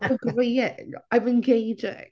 Agreeing, I'm engaging.